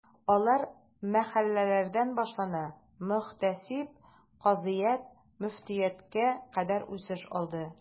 Алар мәхәлләләрдән башлана, мөхтәсиб, казыят, мөфтияткә кадәр үсеш алды.